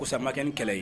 Ko samabakɛ ni kɛlɛ ye